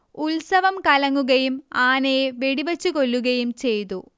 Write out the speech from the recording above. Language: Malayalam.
ഉത്സവം കലങ്ങുകയും ആനയെ വെടിവെച്ചുകൊല്ലുകയും ചെയ്തു